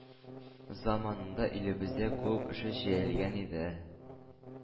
Заманында илебездә клуб эше җәелгән иде,